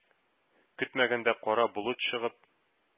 Көтмәгәндә, кара болыт чыгып,